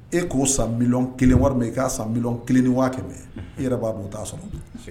E k'o san kelen wari e k' san kelen ni waati e yɛrɛ b'a don t'a sɔrɔ